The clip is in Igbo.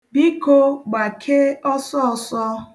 Biko, gbakee ọsọọsọ.